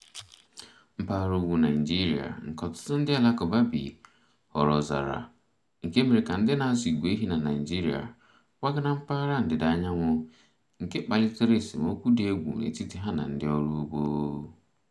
Mpaghara ugwu Naịjirịa nke ọtụtụ ndị Alakụba bi ghọrọ ọzara, nke mere ka ndị na-azụ ìgwè ehi na Naịjirịa kwaga na mpaghara ndịdaanyanwụ, nke kpalitere esemokwu dị egwu n'etiti ha na ndị ọrụugbo.